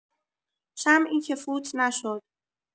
شمعی که فوت نشد.